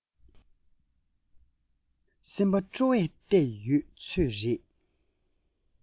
སེམས པ སྤྲོ བས བརྟས ཡོད ཚོད རེད